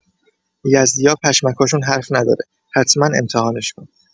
یزدیا پشمکاشون حرف نداره، حتما امتحانش کن!